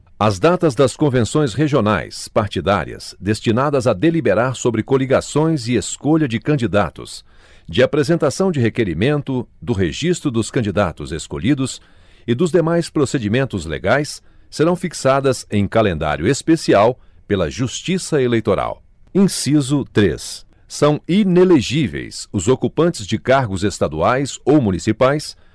as datas das convenções regionais partidárias destinadas a deliberar sobre coligações e escolha de candidatos de apresentação de requerimento do registro dos candidatos escolhidos e dos demais procedimentos legais serão fixadas em calendário especial pela justiça eleitoral inciso três são inelegíveis os ocupantes de cargos estaduais ou municipais